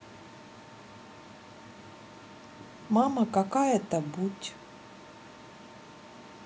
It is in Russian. мама какая то будь